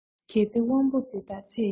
གལ ཏེ དབང པོ འདི དག ཚད ཡིན ན